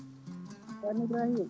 ceerno Ibrahima